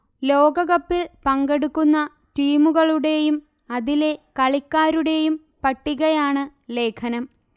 ലോകകപ്പിൽ പങ്കെടുക്കുന്ന ടീമുകളുടെയും അതിലെ കളിക്കാരുടെയും പട്ടികയാണ് ലേഖനം